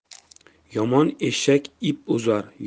yomon eshak ip uzar